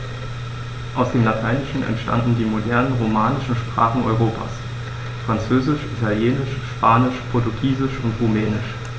Aus dem Lateinischen entstanden die modernen „romanischen“ Sprachen Europas: Französisch, Italienisch, Spanisch, Portugiesisch und Rumänisch.